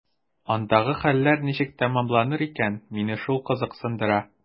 Андагы хәлләр ничек тәмамланыр икән – мине шул кызыксындыра.